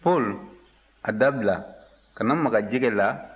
paul a dabila kana maga jɛgɛ la